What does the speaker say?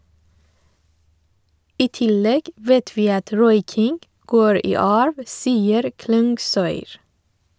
- I tillegg vet vi at røyking går i arv, sier Klungsøyr.